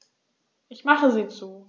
Ich mache sie zu.